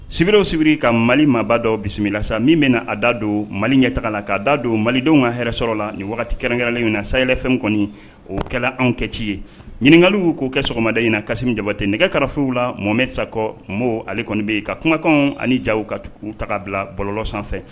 Sibiw sibiri ka mali maabadɔ bisimilala sa min bɛna na a da don mali ɲɛ taga la k'a da don malidenw ka hɛrɛɛrɛ sɔrɔ la nin kɛrɛnkɛrɛnla ɲin na sayɛlɛfɛn kɔni okɛla anw kɛ ci ye ɲininkakaliw k'o kɛ sɔgɔmaden in na kasimi jabate nɛgɛkarafew la momesa kɔ maaw ale kɔni bɛ yen ka kumakan ani jago ka uu taga bila bɔlɔ sanfɛ